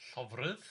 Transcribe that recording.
Llofrydd?